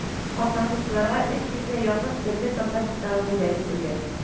Катнашучыларга өч йөзгә якын төрле татар китабы бүләк ителде.